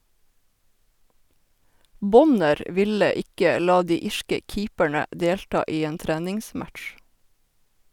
Bonner ville ikke la de irske keeperne delta i en treningsmatch.